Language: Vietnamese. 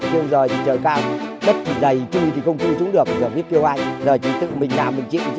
kêu giời thì giời cao đất thì dày chui thì không chui xuống được giờ biết kêu ai giờ chỉ tự mình làm mình chịu chứ